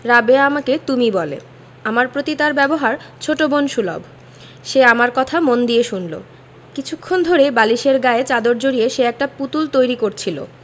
রাবেয়া আমাকে তুমি বলে আমার প্রতি তার ব্যবহার ছোট বোন সুলভ সে আমার কথা মন দিয়ে শুনলো কিছুক্ষণ ধরেই বালিশের গায়ে চাদর জড়িয়ে সে একটা পুতুল তৈরি করছিলো